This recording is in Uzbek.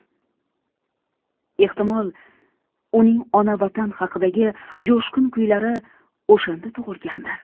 ehtimol uning ona vatan haqidagi jo'shqin kuylari o'shanda tug'ilgandir